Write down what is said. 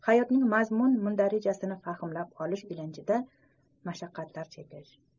hayotning mazmun mundarijasini fahmlab olish ilinjida mashaqqatlar chekish